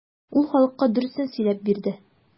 Ул халыкка дөресен сөйләп бирде.